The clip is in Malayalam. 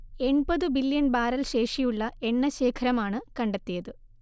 എൺപതു ബില്ല്യൺ ബാരൽ ശേഷിയുള്ള എണ്ണശേഖരമാണ് കണ്ടെത്തിയത്